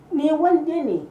Nin ye waliden de ye